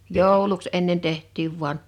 jouluksi ennen tehtiin vain